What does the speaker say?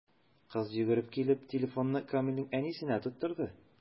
Кыз, йөгереп килеп, телефонны Камилнең әнисенә тоттырды.